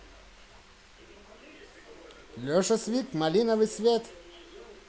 леша свик малиновый свет